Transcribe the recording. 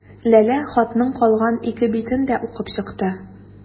Ләлә хатның калган ике битен дә укып чыкты.